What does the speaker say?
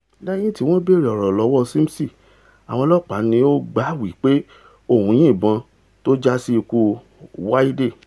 Lẹ́yìn tí wọ́n bèèrè ọ̀rọ̀ lọ́wọ́ Simpson, àwọn ọlọ́ọ̀pá ní ó gbà wí pé òun yin ìbọn tó jásí ikú Wayde.